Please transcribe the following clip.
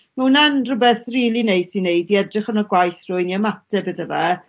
ma' wnna'n rhwbeth rili neis i neud i edrych arno gwaith rywun, i ymateb iddo fe